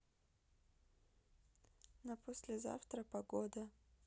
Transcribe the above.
на послезавтра погода